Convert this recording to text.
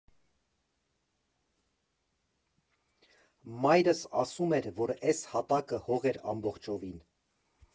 Մայրս ասում էր, որ էս հատակը հող էր ամբողջովին։